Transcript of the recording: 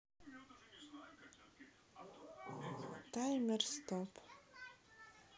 таймер стоп